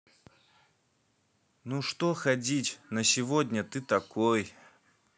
ну что ходить на сегодня ты такой